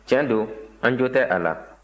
tiɲɛ don an jo tɛ a la